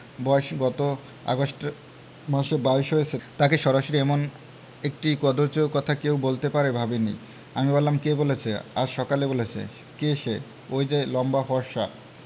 বয়স গত আগস্ট মাসে বাইশ হয়েছে তাকে সরাসরি এমন একটি কদৰ্য কথা কেউ বলতে পারে ভাবিনি আমি বললাম কে বলেছে আজ সকালে বলেছে কে সে ঐ যে লম্বা ফর্সা